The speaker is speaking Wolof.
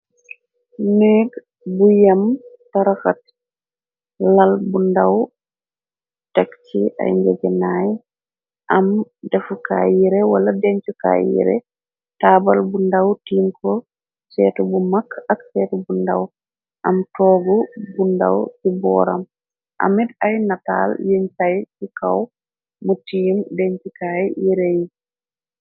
néeg bu yam taraxat lal bu ndàw tek ci ay njegenaay am defukaay yire wala dencukaay yire taabal bu ndàw tiim ko seetu bu mag ak seetu bu ndàw am toogu bu ndaw ci booram amit ay nataal yëñ fay ci kaw mu tiim dencukaay yire yi